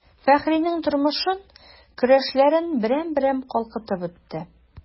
Фәхринең тормышын, көрәшләрен берәм-берәм калкытып үтте.